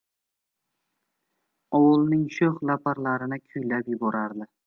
ovulning sho'x laparlarini kuylab yuborardi